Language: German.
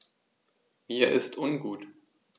Mir ist ungut.